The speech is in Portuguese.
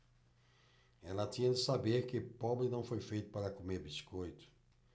ela tinha de saber que pobre não foi feito para comer biscoito